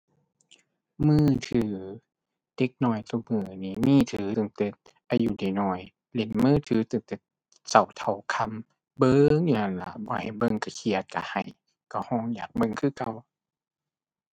มือถือ เด็กน้อยซุมื้อนี้มีถือตั้งแต่อายุได้น้อย เล่นมือถือตั้งแต่เช้าเท่าค่ำ เบิ่งอยู่นั่นล่ะ บ่ให้เบิ่งเช้าเคียดเช้าไห้ เช้าเช้าอยากเบิ่งคือเก่า